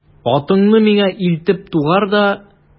Атыңны миңа илтеп тугар да...